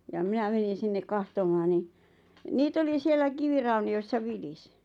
ja minä menin sinne katsomaan niin niitä oli siellä kivirauniossa vilisi